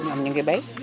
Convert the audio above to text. ñoom ñu ngi bay